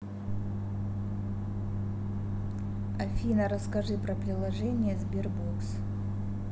афина расскажи про приложение sberbox